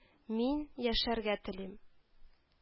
Мин яшәргә телим